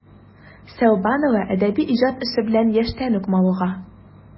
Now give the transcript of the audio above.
Сәүбанова әдәби иҗат эше белән яшьтән үк мавыга.